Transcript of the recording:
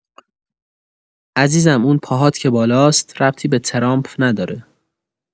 عزیزم اون پاهات که بالاست ربطی به ترامپ نداره.